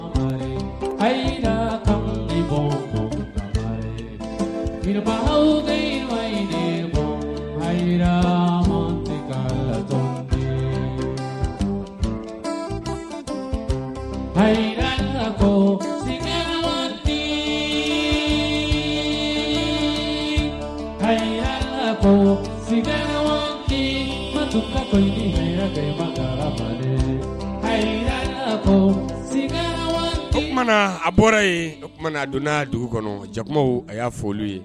Ka bɔ bɛ mɔgɔyi ko sigila ko sigi ko sigi tumaumana a bɔra yen o tumaumana a donna dugu kɔnɔ jakumaw a y'a foli ye